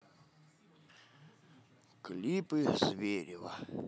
клипы зверева